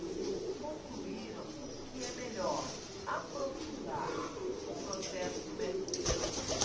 concluíram que é melhor aprofundar o processo do mercosul